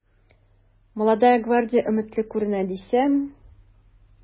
“молодая гвардия” өметле күренә дисәм...